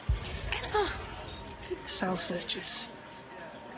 Eto? Cell searches.